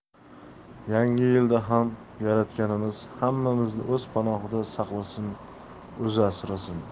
yangi yilda ham yaratganimiz hammamizni o'z panohida saqlasin o'zi asrasin